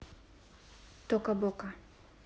тока бока